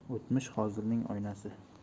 o'tmish hozirning oynasi